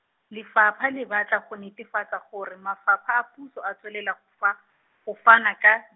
Lefapha le batla go netefatsa gore mafapha a puso a tswelela go fa, go fana ka.